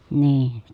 niin